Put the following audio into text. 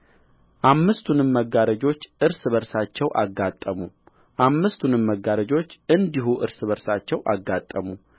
አምስቱንም መጋረጆች እርስ በርሳቸው አጋጠሙ አምስቱንም መጋረጆች እንዲሁ እርስ በርሳቸው አጋጠሙ